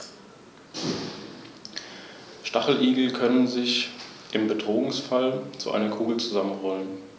Latein wurde zur Amtssprache im gesamten Reich (im Osten ergänzt durch das Altgriechische), wenngleich sich auch andere Sprachen halten konnten.